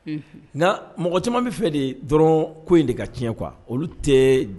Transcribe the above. Nka mɔgɔ caaman bɛ fɛ de dɔrɔn ko in ka tiɲɛ quoi olu